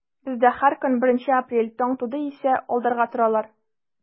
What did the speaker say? Бездә һәр көн беренче апрель, таң туды исә алдарга торалар.